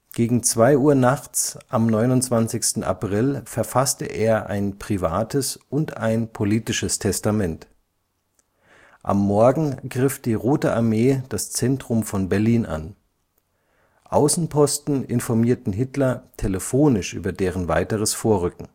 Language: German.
Gegen 2:00 Uhr nachts am 29. April verfasste er ein privates und ein politisches Testament. Am Morgen griff die Rote Armee das Zentrum von Berlin an. Außenposten informierten Hitler telefonisch über deren weiteres Vorrücken